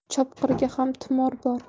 chopqirga ham tumor bor